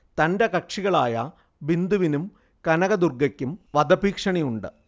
തന്റെ കക്ഷികളായ ബിന്ദുവിനും കനക ദുർഗക്കും വധഭീഷണിയുണ്ട്